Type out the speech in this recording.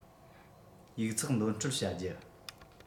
ཡིག ཚགས འདོན སྤྲོད བྱ རྒྱུ